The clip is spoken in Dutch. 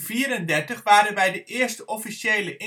1934 waren bij de eerste officiële